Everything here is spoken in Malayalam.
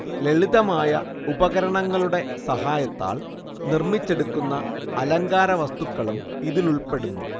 ലളിതമായ ഉപകരണങ്ങളുടെ സഹായത്താൽ നിർമ്മിച്ചെടുക്കുന്ന അലങ്കാര വസ്തുക്കളും ഇതിലുൾപ്പെടുന്നു